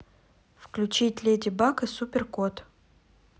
включить леди баг и супер кот